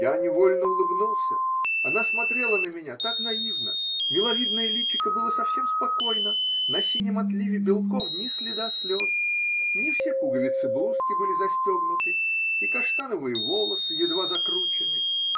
Я невольно улыбнулся: она смотрела на меня так наивно, миловидное личико было совсем спокойно, на синем отливе белков ни следа слез, не все пуговицы блузки были застегнуты, и каштановые волосы едва закручены.